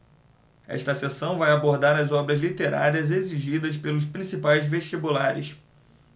esta seção vai abordar as obras literárias exigidas pelos principais vestibulares